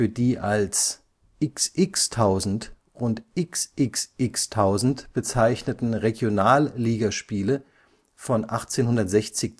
die als „ XX-Tausend “und „ XXX-Tausend “bezeichneten Regionalligaspiele von 1860